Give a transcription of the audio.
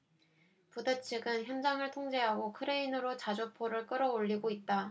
부대 측은 현장을 통제하고 크레인으로 자주포를 끌어올리고 있다